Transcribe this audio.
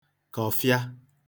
kọ̀fịa